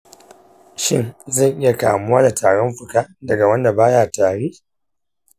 shin zan iya kamuwa da tarin fuka daga wanda ba ya tari?